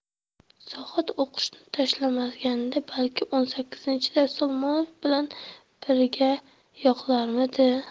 zohid o'qishni tashlamaganida balki o'n sakkizinchida solmonov bilan birga yoqlarmidi